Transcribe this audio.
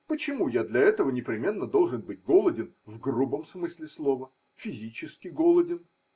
Почему я для этого непременно должен быть голоден в грубом смысле слова, физически голоден?